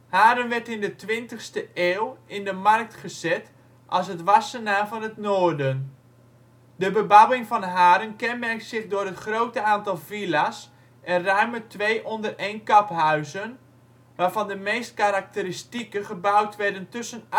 Haren werd in de 20ste eeuw in de markt gezet als het ' Wassenaar van het Noorden '. De bebouwing van Haren kenmerkt zich door het grote aantal villa 's en ruime twee-onder-één-kap-huizen, waarvan de meest karakteristieke gebouwd werden tussen